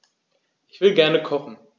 Ich will gerne kochen.